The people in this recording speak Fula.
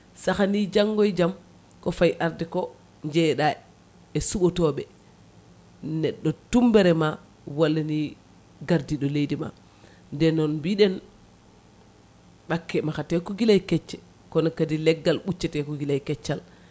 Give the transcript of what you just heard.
sahani janggo e jaam ko fayi arde ko jeeyaɗa e suɓotoɓe neɗɗo tumberema walla ni gardiɗo leydi ma nden noon mbiɗen ɓakke mahate ko guilay kecce kono kadi leggal ɓuccete ko guilay keccal